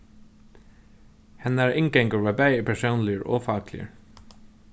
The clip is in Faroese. hennara inngangur var bæði persónligur og fakligur